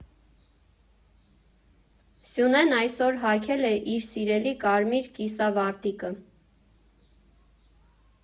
Սյունեն այսօր հագել է իր սիրելի կարմիր կիսավարտիքը։